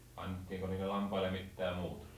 annettiinko niille lampaille mitään muuta